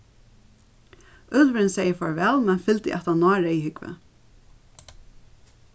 úlvurin segði farvæl men fylgdi aftan á reyðhúgvu